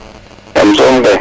jam som kay